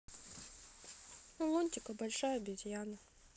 у лунтика большая обезьяна